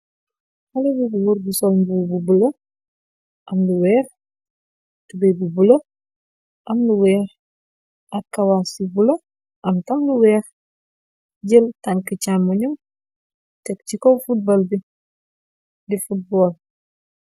Xale bu goor sol mbu bu bulo am lu weex. Tube bu bulo am lu weex ak kawas bu bulo am tam lu weex, jël tank cha am moñom teg ci kow futbal bi di futbool.